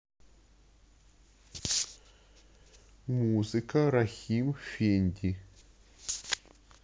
музыка рахим фенди